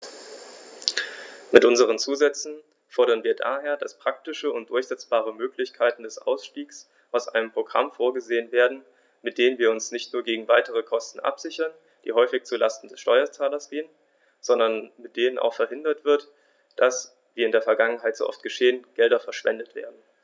Mit unseren Zusätzen fordern wir daher, dass praktische und durchsetzbare Möglichkeiten des Ausstiegs aus einem Programm vorgesehen werden, mit denen wir uns nicht nur gegen weitere Kosten absichern, die häufig zu Lasten des Steuerzahlers gehen, sondern mit denen auch verhindert wird, dass, wie in der Vergangenheit so oft geschehen, Gelder verschwendet werden.